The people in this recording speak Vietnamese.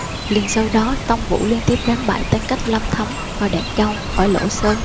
liền sau đó tông vũ liên tiếp đánh bại tăng cách lâm thấm ở đặng châu ở lỗ sơn